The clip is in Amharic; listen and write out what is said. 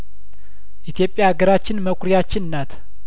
ኢትዮጵያ ሀገራችን መኩሪያችን ናት